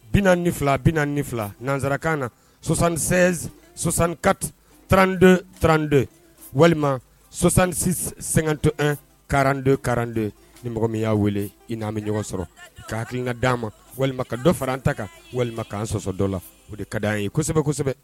Bi ni fila4 ni fila nanzsarakakan na sɔsan2 sɔsanka trante trante walima sɔsansisɛtoɛ karante karanden ni mɔgɔ min y'a wele i n'a bɛ ɲɔgɔn sɔrɔ k'akii ka d'an ma walima ka dɔ fararan an ta kan walima ka an sɔsɔ dɔ la o de ka di' a ye kosɛbɛ kosɛbɛ